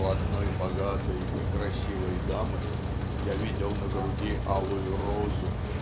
"У одной богатой и красивой дамы я видел на груди алую розу